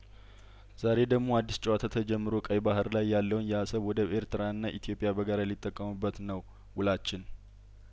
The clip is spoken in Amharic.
ዛሬ ደሞ አዲስ ጨዋታ ተጀምሮ ቀይባህር ላይ ያለውን የአሰብ ወደብ ኤርትራና ኢትዮጵያበጋራ ሊጠቀሙበት ነውው ላችን